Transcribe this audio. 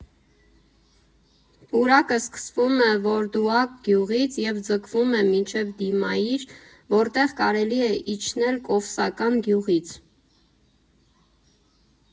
Պուրակը սկսվում է Վորդուակ գյուղից և ձգվում է մինչև Դիցմայրի, որտեղ կարելի է իջնել Կովսական գյուղից։